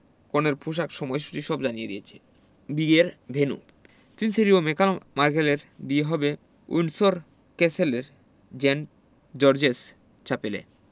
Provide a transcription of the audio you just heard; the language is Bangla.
কনের পোশাক সময়সূচী সব জানিয়ে দিয়েছে বিয়ের ভেন্যু প্রিন্স হ্যারি ও মেগান মার্কেলের বিয়ে হবে উইন্ডসর ক্যাসেলের সেন্ট জর্জেস চ্যাপেলে